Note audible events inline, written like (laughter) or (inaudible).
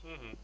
(hesitation) (hesitation)